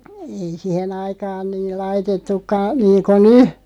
ei siihen aikaan niin laitettukaan niin kuin nyt